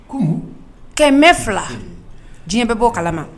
Kɛmɛ bɛ fila diɲɛ bɛ bɔ kalama